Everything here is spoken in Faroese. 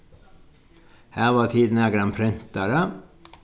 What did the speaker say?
hava tit nakran prentara